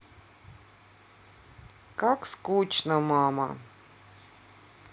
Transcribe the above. как скучно я мама